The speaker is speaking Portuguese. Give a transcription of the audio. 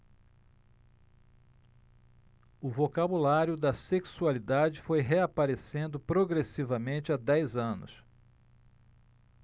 o vocabulário da sexualidade foi reaparecendo progressivamente há dez anos